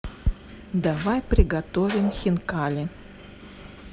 давай приготовим хинкали